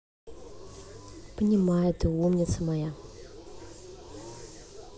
понимаю ты умница моя